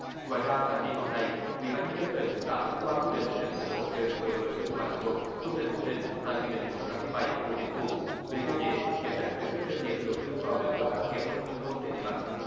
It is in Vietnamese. ngoài ra tại kỳ họp này ủy ban nhân dân tỉnh đã thông qua quy định định mức hỗ trợ đối với từng loại hạng mục công trình quy định tại nghị định số năm mươi bảy của chính phủ về cơ chế kiểm soát với các doanh nghiệp đầu tư vào lĩnh vực nông nghiệp nông thôn trên địa bàn